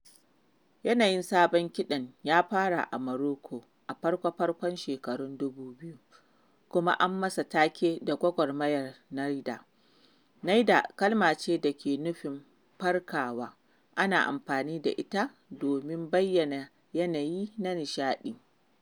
Yanayin sabon kiɗan ya fara a Maroko a farko-farkon shekarun 2000, kuma an masa take da Gwagwarmayar Nayda ("nayda" kalma ce da ke nufin "farkawa", ana amfani da ita domin bayyana yanayi na nishadi).